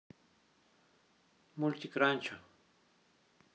мультик ранчо